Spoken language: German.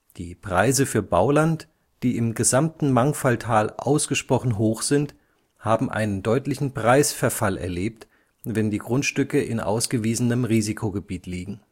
Die Preise für Bauland, die im gesamten Mangfalltal ausgesprochen hoch sind, haben einen deutlichen Preisverfall erlebt, wenn die Grundstücke in ausgewiesenem Risikogebiet liegen